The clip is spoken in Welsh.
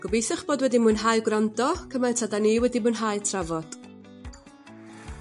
gobeitho'ch bod wedi mwynhau gwrando cymaint a 'dan ni wedi mwynhau trafot.